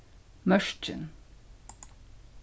mørkin